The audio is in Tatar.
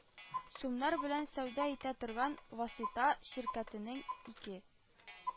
Сумнар белән сәүдә итә торган «васита» ширкәтенең ике